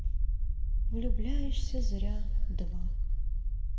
влюбляешься зря два